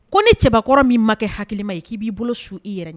Ko ni cɛbakɔrɔ min ma kɛ ha ma ye k'i b'i bolo so i yɛrɛ ɲɛ